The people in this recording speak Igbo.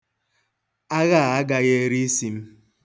Agha a agaghị eri isi m.